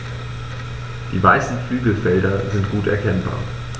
Die weißen Flügelfelder sind gut erkennbar.